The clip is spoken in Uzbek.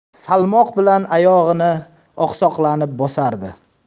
salmoq bilan oyog'ini oqsoqlanib bosardi